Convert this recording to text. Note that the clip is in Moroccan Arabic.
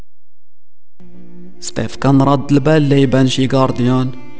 استمرار طلب الايبان